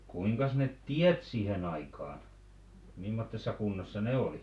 kuinkas ne tiedätte siihen aikaan mimmoisessa kunnossa ne oli